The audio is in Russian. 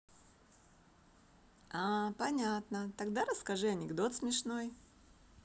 а понятно тогда расскажи анекдот смешной